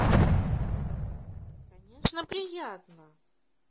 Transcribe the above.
конечно приятно